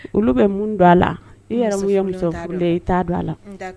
Olu bɛ mun don a la i i t' don a la